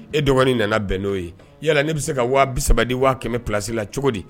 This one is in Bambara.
E dɔgɔnin nana bɛn n'o ye yala ne bɛ se ka waa saba di waa kɛmɛ plasi la cogo di